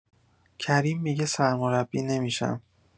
کریم می‌گه سرمربی نمی‌شم